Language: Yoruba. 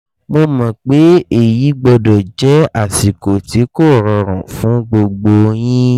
Mo mọ̀ pé èyí gbọ́dọ̀ jẹ́ àsìkò tí kò rọrùn fún gbogbo yín.